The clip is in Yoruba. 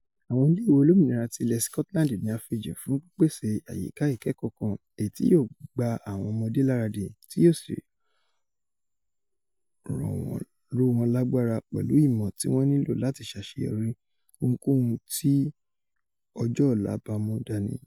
Àwọn ilé ìwé olómìnira ti ilẹ̀ Sikotilandi ní a fijìn fún pípèsè àyíká ìkẹ́kọ̀ọ́ kan èyití yóò gba àwọn ọmọdé laradì tí yóò sì rówọn lágbara pẹ̀lú ìmọ̀ tíwọ́n nílò láti ṣàṣeyọrí, ohunkóhùn tí ọjọ́ ọ̀la bámú dáni.